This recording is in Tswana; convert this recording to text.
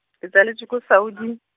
ke tsaletswe ko Saudi.